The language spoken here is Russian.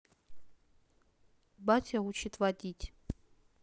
батя учит водить